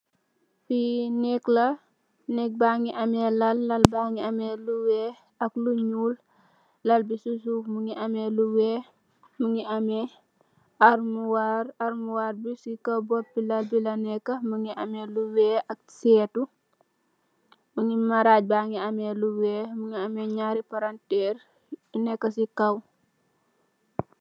Fee nek la nek bangi ameh Lal Lal bangi ameh lu weex ak lu nyool Lal bi Sci so of mungeh ameh lu weex mungi ameh almuwaar almuwaar bi ci kaw bopi Lal bi la neka mungi ameh lu weex ak seetu maraj bangi ameh lu weex mungi ameh nyari paranteer yu neka ci kaw